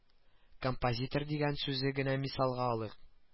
Композитор дигән сүзне генә мисалга алыйк